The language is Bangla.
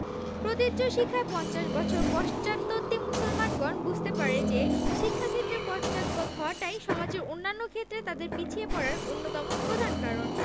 প্রতীচ্য শিক্ষায় পঞ্চাশ বছর পশ্চাদ্বর্তী মুসলমানগণ বুঝতে পারে যে শিক্ষাক্ষেত্রে পশ্চাৎপদ হওয়াটাই সমাজের অন্যান্য ক্ষেত্রে তাদের পিছিয়ে পড়ার অন্যতম প্রধান কারণ